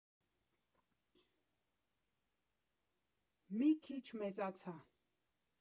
Մի քիչ մեծացա։